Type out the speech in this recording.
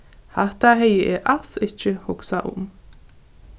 hatta hevði eg als ikki hugsað um